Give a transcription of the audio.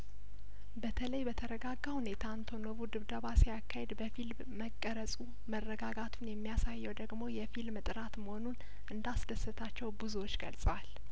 በተለይ በተረጋጋ ሁኔታ አንቶኖቩ ድብደባ ሲያካሂድ በፊልም መቀረጹ መረጋጋቱን የሚያሳየው ደግሞ የፊልም ጥራት መሆኑን እንዳስ ደሰታቸው ቡዙዎች ገልጸዋል